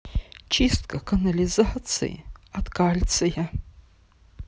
чистка канализации от кальция